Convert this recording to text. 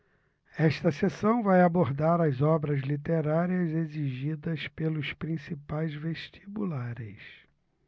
esta seção vai abordar as obras literárias exigidas pelos principais vestibulares